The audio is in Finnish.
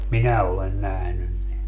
minä olen nähnyt ne